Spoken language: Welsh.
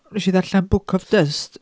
Wnes i ddarllen Book of Dust.